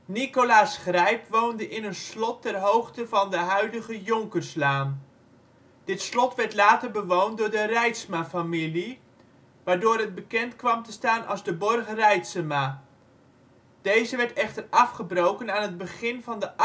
Nicolaas Grijp woonde in een slot ter hoogte van de huidige Jonkerslaan. Dit slot werd later bewoond door de Reitsma-familie, waardoor het bekend kwam te staan als de borg Reitsema. Deze werd echter afgebroken aan het begin van de